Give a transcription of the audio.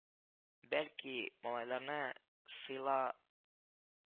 Бәлки, малайларны сыйла